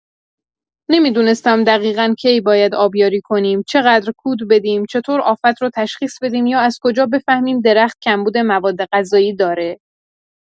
نمی‌دونستم دقیقا کی باید آبیاری کنیم، چه‌قدر کود بدیم، چطور آفت رو تشخیص بدیم یا از کجا بفهمیم درخت کمبود موادغذایی داره.